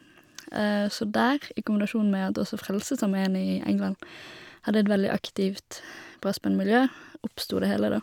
Så der, i kombinasjon med at også Frelsesarmeen i England hadde et veldig aktivt brassband-miljø, oppstod det hele, da.